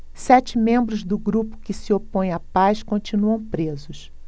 sete membros do grupo que se opõe à paz continuam presos